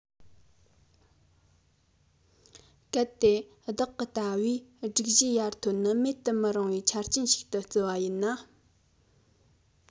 གལ ཏེ བདག གི ལྟ བས སྒྲིག གཞིའི ཡར ཐོན ནི མེད དུ མི རུང བའི ཆ རྐྱེན ཞིག ཏུ བརྩིས བ ཡིན ན